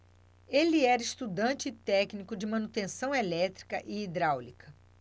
ele era estudante e técnico de manutenção elétrica e hidráulica